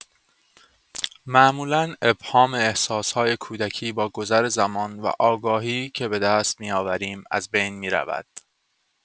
معمولا ابهام احساس‌های کودکی با گذر زمان و آگاهی که به دست می‌آوریم از بین می‌رود.